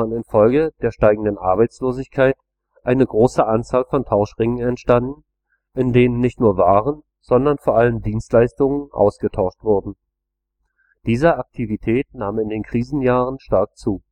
infolge der steigenden Arbeitslosigkeit eine große Anzahl von Tauschringen entstanden, in denen nicht nur Waren, sondern vor allem Dienstleistungen ausgetauscht wurden. Diese Aktivität nahm in den Krisenjahren stark zu